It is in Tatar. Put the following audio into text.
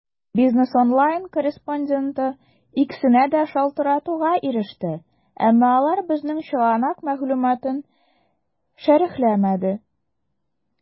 "бизнес online" корреспонденты икесенә дә шалтыратуга иреште, әмма алар безнең чыганак мәгълүматын шәрехләмәде.